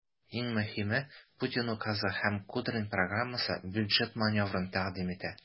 Иң мөһиме, Путин указы һәм Кудрин программасы бюджет маневрын тәкъдим итә.